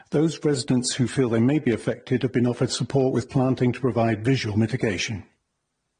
Those residents who feel they may be affected have been offered support with planting to provide visual mitigation.